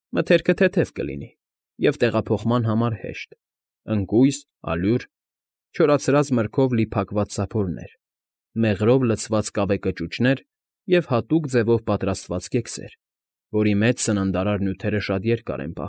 Մթերքը թեթև կլինի և տեղափոխման համար հեշտ՝ ընկույզ, ալյուր, չորացած մրգով լի փակված սափորներ, մեղրով լցված կավե կճուճներ և հատուկ ձևով պատրաստված կեքսեր, որի մեջ սննդարար նյութերը շատ երկար են։